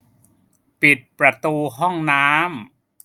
ปิดประตูห้องน้ำ